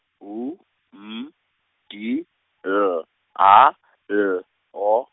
U M, D L A L O.